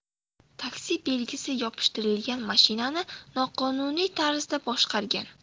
taxi belgisi yopishtirilgan mashinani noqonuniy tarzda boshqargan